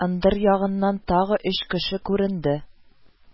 Ындыр ягыннан тагы өч кеше күренде